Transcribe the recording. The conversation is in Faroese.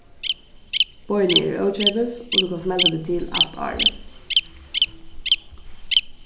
boðini eru ókeypis og tú kanst melda teg til alt árið